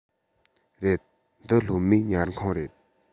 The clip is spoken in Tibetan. རེད འདི སློབ མའི ཉལ ཁང རེད